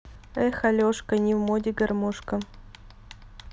эх алешка не в моде гармошка